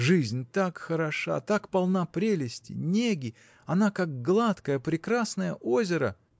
Жизнь так хороша, так полна прелести, неги она как гладкое, прекрасное озеро.